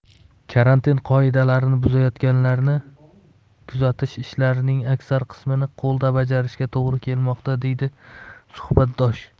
karantin qoidalarini buzayotganlarni kuzatish ishlarining aksar qismini qo'lda bajarishga to'g'ri kelmoqda deydi suhbatdosh